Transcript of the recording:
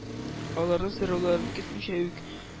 Аларның сорауларын көтмичә үк,